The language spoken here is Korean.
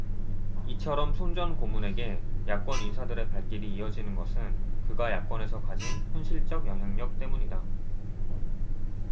이처럼 손 전 고문에게 야권 인사들의 발길이 이어지는 것은 그가 야권에서 가진 현실적 영향력 때문이다